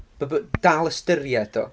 b- b- dal ystyried o.